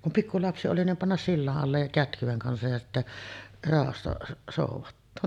kun pikkulapsi oli niin panna sillan alle ja kätkyen kanssa ja sitten rauhassa soudattaa